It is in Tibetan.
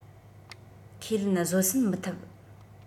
ཁས ལེན བཟོད བསྲན མི ཐུབ